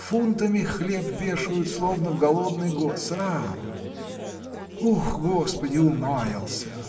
Фунтами хлеб вешают, словно в голодный год, – срам! Ух, господи, умаялся.